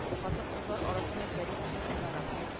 Хатын-кызлар арасында зарипова гөлнара